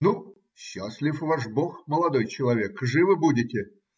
-- Ну, счастлив ваш бог, молодой человек! Живы будете.